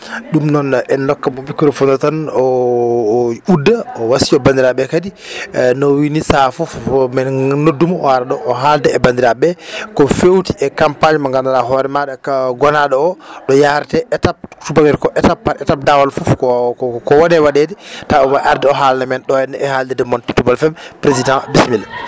ɗum noon en ndokka mo microphone o tan o o o udda o wasiyoo banndiraaɓe ɓee kadi e no o wiyi nii sahaa fof men noddu mo o ara ɗoo o haalda e banndiraaɓe ɓee ko feewti e campagne mo nganndanɗaa hoore maaɗa ko ngonaaɗo o ɗo yaaretee étape tubako wiyata koo étape par étape daawal fof ko ko ko woni e waɗeede tawa mo arde o haalna men ɗoo henna e haalirde moon Timtimol FM président bisimilla